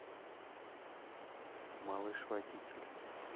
малыш водитель